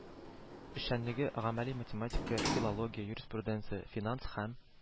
Эшчәнлеге “гамәли математика”, “филология”, “юриспруденция”, “финанс һәм